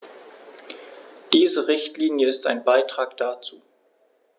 Diese Richtlinie ist ein Beitrag dazu.